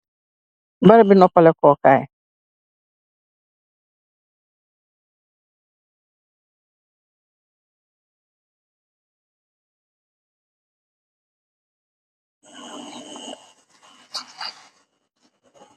Barabi noopalekoo kaay.